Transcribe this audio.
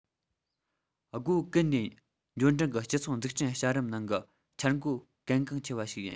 སྒོ ཀུན ནས འབྱོར འབྲིང གི སྤྱི ཚོགས འཛུགས སྐྲུན བྱ རིམ ནང གི འཆར འགོད གལ འགངས ཆེ བ ཞིག ཡིན